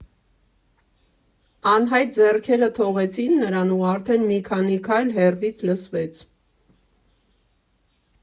Անհայտ ձեռքերը թողեցին նրան, ու արդեն մի քանի քայլ հեռվից լսվեց.